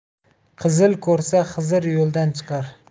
qizil ko'rsa xizir yo'ldan chiqar